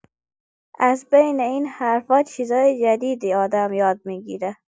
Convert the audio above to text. از بین این حرفا چیزای جدیدی آدم یاد می‌گیره